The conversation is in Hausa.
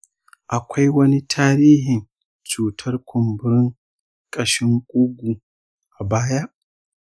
akwai wani tarihin cutar kumburin ƙashin ƙugu a baya?